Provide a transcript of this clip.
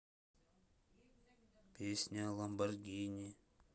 песня ламборгини